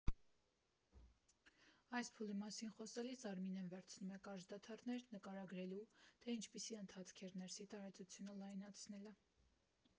Այս փուլի մասին խոսելիս Արմինեն վերցնում է կարճ դադարներ՝ նկարագրելու, թե ինչպիսի ընթացք էր ներսի տարածությունը լայնացնելը։